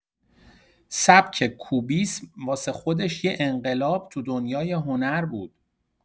سبک کوبیسم واسه خودش یه انقلاب تو دنیای هنر بود.